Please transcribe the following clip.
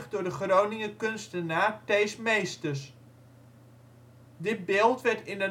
door de Groninger kunstenaar Thees Meesters. Dit beeld werd in